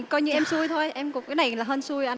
coi như em xui thôi em cũng cái này là hên xui à